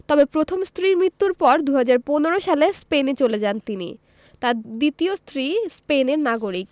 তবে প্রথম স্ত্রীর মৃত্যুর পর ২০১৫ সালে স্পেনে চলে যান তিনি তাঁর দ্বিতীয় স্ত্রী স্পেনের নাগরিক